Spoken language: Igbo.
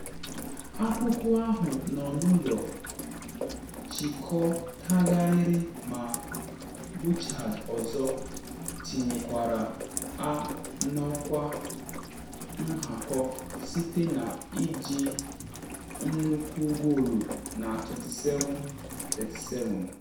Akụkụ ahụ nọ n’ụlọ chịkọtagharịrị ma Bouchard ọzọ tinyekwara ha n’ọkwa nhakọ site na iji nnukwu goolu na 27:37.